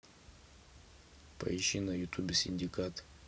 поищи на ютубе синдикат